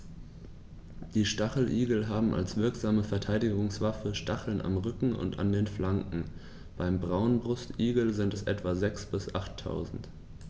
Die Stacheligel haben als wirksame Verteidigungswaffe Stacheln am Rücken und an den Flanken (beim Braunbrustigel sind es etwa sechs- bis achttausend).